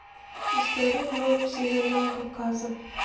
история народов северного кавказа